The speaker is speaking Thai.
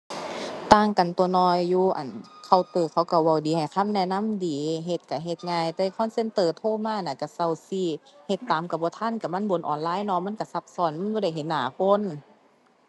ต่างกันตั่วเนาะ อยู่ อั่น เคาน์เตอร์เขาก็เว้าดีให้คำแนะนำดี เฮ็ดก็เฮ็ดง่าย แต่ call center โทรมาน่ะก็เซ้าซี้ เฮ็ดตามก็บ่ทันก็มันบนออนไลน์เนาะ มันก็ซับซ้อนมันบ่ได้เห็นหน้าคน